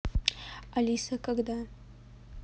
алиса когда